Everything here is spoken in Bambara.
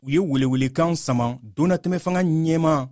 u ye welewelekan sama donnatɛmɛfanga in ɲɛmaa